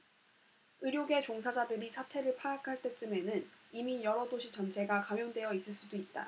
의료계 종사자들이 사태를 파악할 때쯤에는 이미 여러 도시 전체가 감염되어 있을 수도 있다